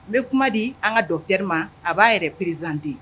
N bɛ kuma di an ka dɔnkɛ ma a b'a yɛrɛ peresizdi